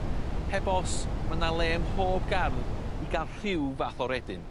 Heb os ma' 'na le ym mhob gardd i ga'l rhyw fath o redyn.